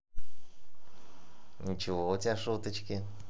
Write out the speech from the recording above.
ничего у тебя шуточки